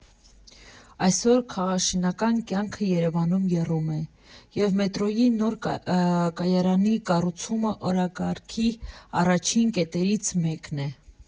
Այսօր քաղաքաշինական կյանքը Երևանում եռում է, և մետրոյի նոր կայարանի կառուցումը օրակարգի առաջին կետերից մեկն է։